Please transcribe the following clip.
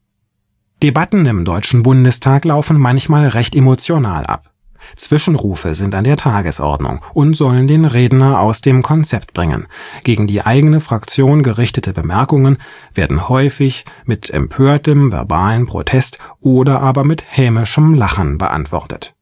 Debatten im Deutschen Bundestag laufen manchmal recht emotional ab. Zwischenrufe sind an der Tagesordnung und sollen den Redner aus dem Konzept bringen, gegen die eigene Fraktion gerichtete Bemerkungen werden häufig mit empörtem verbalen Protest oder aber mit hämischem Lachen beantwortet